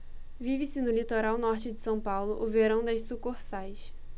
vive-se no litoral norte de são paulo o verão das sucursais